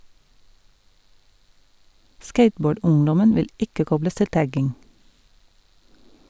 Skateboard-ungdommen vil ikke kobles til tagging.